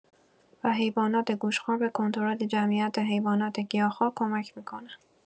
و حیوانات گوشتخوار به کنترل جمعیت حیوانات گیاهخوار کمک می‌کنن.